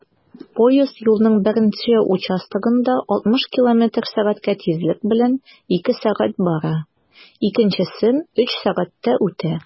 Поезд юлның беренче участогында 60 км/сәг тизлек белән 2 сәг. бара, икенчесен 3 сәгатьтә үтә.